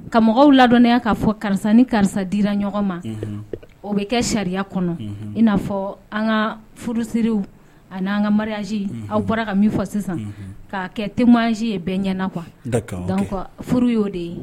Ka mɔgɔw ladɔnniya k'a fɔ karisa ni karisa dira ɲɔgɔn ma o bɛ kɛ sariya kɔnɔ i n'a fɔ an ka furusiriw ani an ka mariage . A bɔra ka min fɔ sisan ka kɛ - témoignage ye bɛɛ ɲɛna kuwa .d'accord ok Donc furu yo de ye.